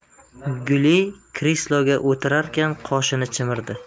guli kresloga o'tirarkan qoshini chimirdi